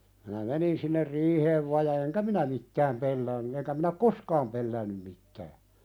minä menin sinne riiheen vain ja enkä minä mitään pelännyt enkä minä ole koskaan pelännyt mitään